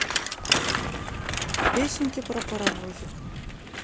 песенки про паровозик